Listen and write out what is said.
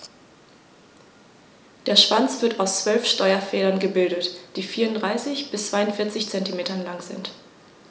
Der Schwanz wird aus 12 Steuerfedern gebildet, die 34 bis 42 cm lang sind.